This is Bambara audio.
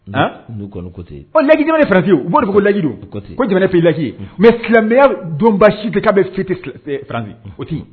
Aa n'u kɔni ko te ɔ laïque jamana ye France ye o u b'o de ko laïque don u ko ten ko jamana ye pays laïque ye unhun mais silamɛya do donba si te ye k'a be fêter sila ee France unhun o te ye